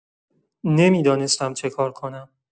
نمی‌دانستم چه‌کار کنم.